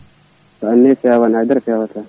so anniya fewani haydara fewata